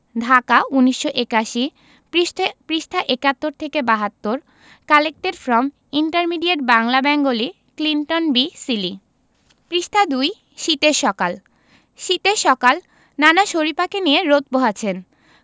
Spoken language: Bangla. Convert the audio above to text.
ঢাকা ১৯৮১ পৃষ্ঠাঃ ৭১ থেকে ৭২ collected from intermediate Bangla Bengali Clinton B Seely শীতের সকাল শীতের সকাল নানা শরিফাকে নিয়ে রোদ পোহাচ্ছেন